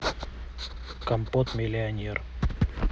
компот миллионер